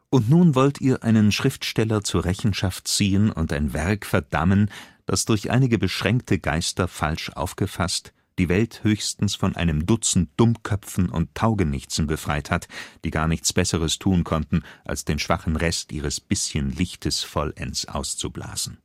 Und nun wollt Ihr einen Schriftsteller zur Rechenschaft ziehen und ein Werk verdammen, das, durch einige beschränkte Geister falsch aufgefasst, die Welt höchstens von einem Dutzend Dummköpfen und Taugenichtsen befreit hat, die gar nichts besseres tun konnten, als den schwachen Rest ihres bisschen Lichtes vollends auszublasen